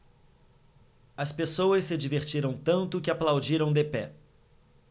as pessoas se divertiram tanto que aplaudiram de pé